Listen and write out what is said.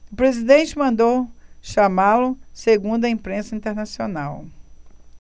o presidente mandou chamá-lo segundo a imprensa internacional